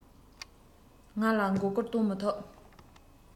ང ལ མགོ སྐོར གཏོང མི ཐུབ